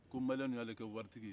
ko maliyenw y'ale kɛ waritigi ye